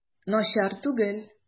Начар түгел.